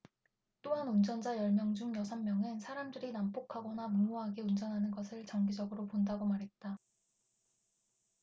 또한 운전자 열 명 중 여섯 명은 사람들이 난폭하거나 무모하게 운전하는 것을 정기적으로 본다고 말했다